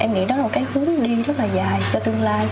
em nghĩ đó là một cái hướng đi rất là dài cho tương lai